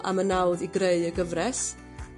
...am y nawdd i greu y gyfres.